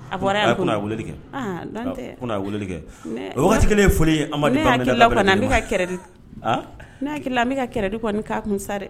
A kɛ kɛ o waati ye foli ka n'a hakili an bɛ ka ni' kun sa dɛ